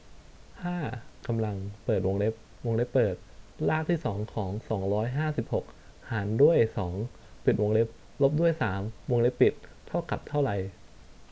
ห้ากำลังเปิดวงเล็บวงเล็บเปิดรากที่สองของสองร้อยห้าสิบหกหารด้วยสองปิดวงเล็บลบด้วยสามวงเล็บปิดเท่ากับเท่าไหร่